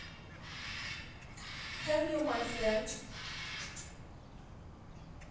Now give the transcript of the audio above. have you my friend